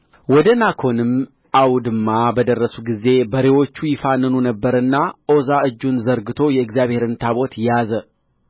ወደ ናኮንም አውድማ በደረሱ ጊዜ በሬዎቹ ይፋንኑ ነበርና ዖዛ እጁን ዘርግቶ የእግዚአብሔርን ታቦት ያዘ